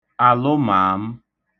àlụmààm